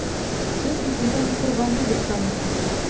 Син үзеңне миһербанлы дип саныйсың.